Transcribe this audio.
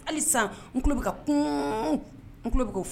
Hali sisan n tulo bɛ ka kun n tulo bɛ fɔ